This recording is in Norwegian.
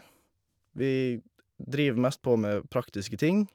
Vi driver mest på med praktiske ting.